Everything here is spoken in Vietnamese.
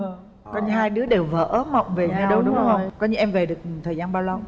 ừ coi như hai đứa đều vỡ mộng về nhau đúng không coi như em về được thời gian bao lâu